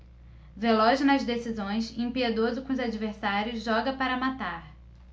veloz nas decisões impiedoso com os adversários joga para matar